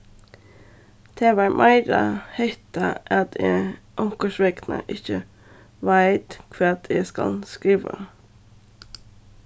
tað var meira hetta at eg onkursvegna ikki veit hvat eg skal skriva